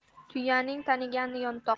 tuyaning tanigani yantoq